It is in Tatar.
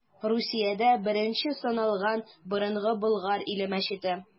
Русиядә беренче саналган Борынгы Болгар иле мәчете.